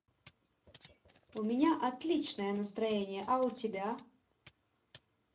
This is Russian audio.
у меня отличное настроение а у тебя